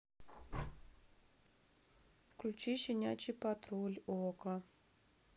включи щенячий патруль окко